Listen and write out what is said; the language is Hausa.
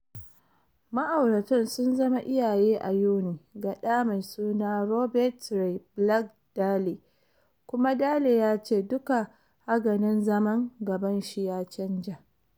Ma’auratan sun zama iyaye a Yuni, ga ɗa mai suna Robert Ray Black-Daley, kuma Daley ya ce “dukka haganen zaman gaban shi” ya canja.